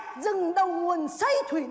rừng đầu nguồn xây thủy